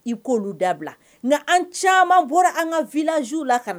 I k'olu dabila nka an caaman bɔra an ka village la ka na.